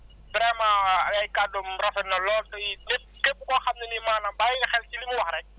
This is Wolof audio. vraiment ay kàddoom rafet na lool te it ñëpp képp koo xam ne nii maanaam bàyyi nga xel ci li mu wax rek